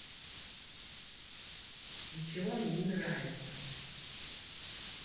ничего мне не нравится